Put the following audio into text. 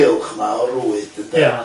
Ia.